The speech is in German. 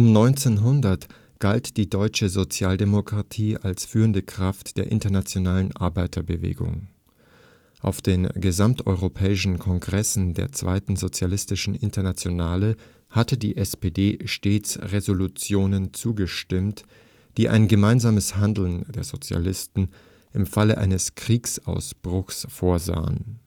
1900 galt die deutsche Sozialdemokratie als führende Kraft der internationalen Arbeiterbewegung. Auf den gesamteuropäischen Kongressen der Zweiten Sozialistischen Internationale hatte die SPD stets Resolutionen zugestimmt, die ein gemeinsames Handeln der Sozialisten im Falle eines Kriegsausbruchs vorsahen